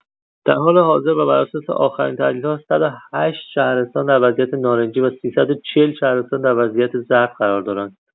در حال حاضر و بر اساس آخرین تحلیل‌ها، ۱۰۸ شهرستان در وضعیت نارنجی و ۳۴۰ شهرستان در وضعیت زرد قرار دارند.